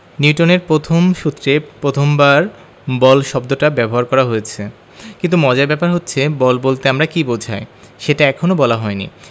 নিউটনের প্রথম সূত্রে প্রথমবার বল শব্দটা ব্যবহার করা হয়েছে কিন্তু মজার ব্যাপার হচ্ছে বল বলতে আমরা কী বোঝাই সেটা এখনো বলা হয়নি